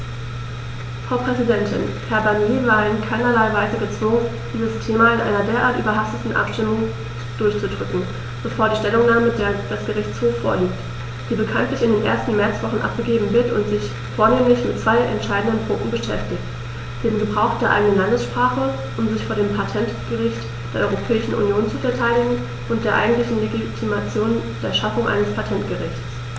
Frau Präsidentin, Herr Barnier war in keinerlei Weise gezwungen, dieses Thema in einer derart überhasteten Abstimmung durchzudrücken, bevor die Stellungnahme des Gerichtshofs vorliegt, die bekanntlich in der ersten Märzwoche abgegeben wird und sich vornehmlich mit zwei entscheidenden Punkten beschäftigt: dem Gebrauch der eigenen Landessprache, um sich vor dem Patentgericht der Europäischen Union zu verteidigen, und der eigentlichen Legitimität der Schaffung eines Patentgerichts.